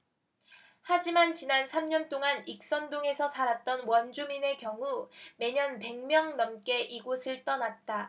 하지만 지난 삼 년동안 익선동에서 살았던 원주민의 경우 매년 백 명 넘게 이곳을 떠났다